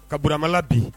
Ka Burama la bi